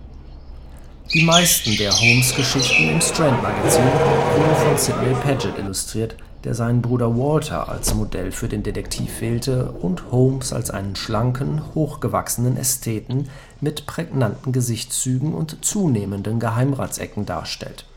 Die meisten der Holmes-Geschichten im Strand-Magazin wurden von Sidney Paget illustriert, der seinen Bruder Walter als Modell für den Detektiv wählte und Holmes als einen schlanken, hochgewachsenen Ästheten mit prägnanten Gesichtszügen und zunehmenden Geheimratsecken darstellt